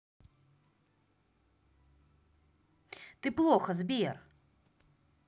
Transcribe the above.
ты плохо сбер